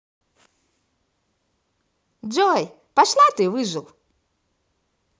джой пошла ты выжил